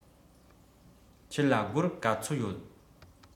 ཁྱེད ལ སྒོར ག ཚོད ཡོད